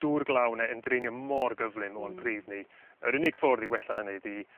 dŵr glaw 'ne yn dreinio mor gyflym o'n pridd ni yr unig fwrdd i wella hynny 'di